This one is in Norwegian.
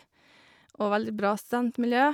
Og veldig bra studentmiljø.